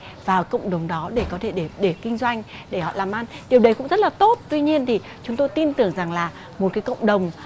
vào cộng đồng đó để có thể để để kinh doanh để họ làm ăn kiểu này cũng rất là tốt tuy nhiên để chúng tôi tin tưởng rằng là một cộng đồng